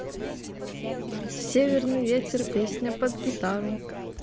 северный ветер песня под гитару